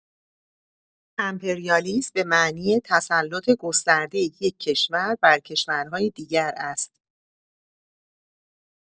امپریالیسم به معنای تسلط گستردۀ یک کشور بر کشورهای دیگر است.